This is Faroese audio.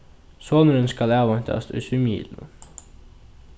sonurin skal avheintast í svimjihylinum